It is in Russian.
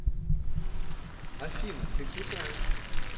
афина ты крутая